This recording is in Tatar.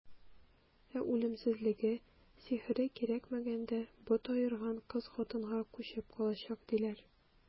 Ә үлемсезлеге, сихере кирәкмәгәндә бот аерган кыз-хатынга күчеп калачак, диләр.